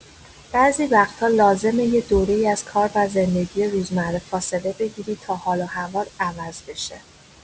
بعضی وقتا لازمه یه دوره‌ای از کار و زندگی روزمره فاصله بگیری تا حال و هوات عوض بشه.